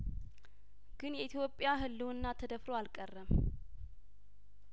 ግን የኢትዮጵያ ህልውና ተደፍሮ አልቀረም